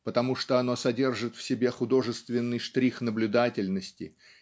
потому что оно содержит в себе художественный штрих наблюдательности